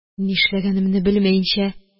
Ни эшләгәнемне белмәенчә